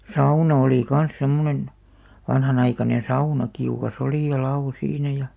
sauna oli kanssa semmoinen vanhanaikainen sauna kiuas oli ja lavo siinä ja